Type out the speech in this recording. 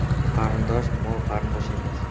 jon qarindosh mol qarindosh emas